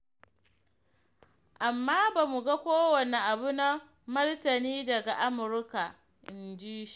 "Amma, ba mu ga kowane abu na martani daga Amurka,” inji shi.